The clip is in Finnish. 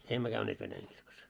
emme käyneet venäjänkirkossa